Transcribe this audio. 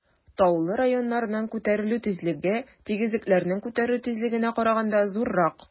Таулы районнарның күтәрелү тизлеге тигезлекләрнең күтәрелү тизлегенә караганда зуррак.